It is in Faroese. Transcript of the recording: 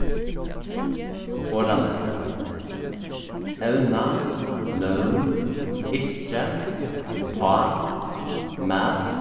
orðalisti evna nøvn ikki uppá math